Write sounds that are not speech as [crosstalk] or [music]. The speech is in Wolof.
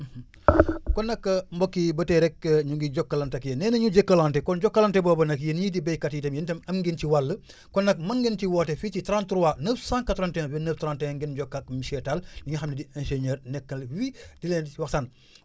[hesitation] [hesitation] [noise] kon nag [hesitation] mbokk yi ba tey rek ñu ngi jokkalante ak yéen nee na ñu Jokalante kon jokkalante boobu nag yéen ñii di baykat yi da ngeen yéen itam am ngeen ci wàll [inhales] kon nag mën ngeen ci woote fii ci 33 981 29 31 ngeen jokkoo ak monsieur Tall ngi xam ne di ingénieur nekkal fii di leen waxtaan